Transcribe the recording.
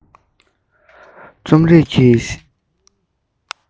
རྩོམ རིག གི